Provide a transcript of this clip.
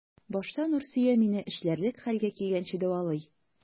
Башта Нурсөя мине эшләрлек хәлгә килгәнче дәвалый.